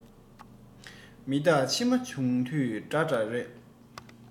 མི རྟག འཆི བ བྱུང དུས འདྲ འདྲ རེད